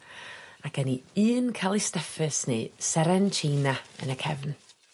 Ac gen ni un Callistephus Seren Cheina yn y cefn